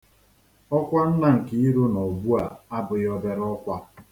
Ọkwa nna Nkiru nọ ugbua abụghị obere ọkwa.